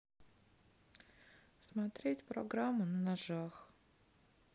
смотреть программу на ножах